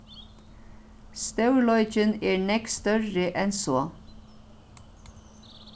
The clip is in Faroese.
stórleikin er nógv størri enn so